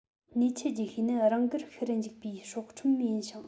ཉེས ཆད ལྕི ཤོས ནི རང དགར ཤི རུ འཇུག པའི སྲོག ཁྲིམས ཡིན ཞིང